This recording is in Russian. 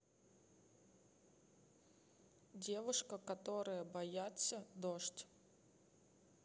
девушка которая боятся дождь